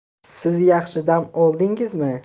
siz yaxshi dam oldingizmi